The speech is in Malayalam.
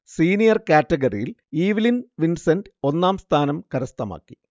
സീനിയർ കാറ്റഗറിയിൽ ഈവ്ലിൻ വിൻസെന്റ് ഒന്നാം സ്ഥാനം കരസ്ഥമാക്കി